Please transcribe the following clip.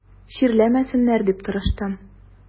Чирләмәсеннәр дип тырыштым.